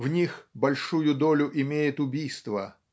В них большую долю имеет убийство